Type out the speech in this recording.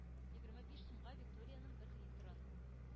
Егерме биш сумга, викториянең бер литрын